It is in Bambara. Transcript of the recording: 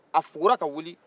a fogora ka wuli